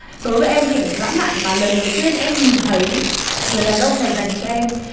đối với em hình ảnh lãng mạn mà lần đầu tiên em nhìn thấy người đàn ông này dành cho em